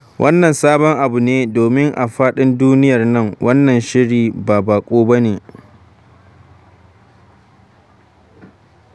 Wannan sabon abu ne, domin a faɗin duniyar nan, wannan shiri ba baƙo ba ne.